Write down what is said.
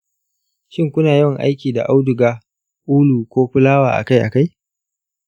shin kuna yawan aiki da auduga, ulu, ko fulawa a kai a kai?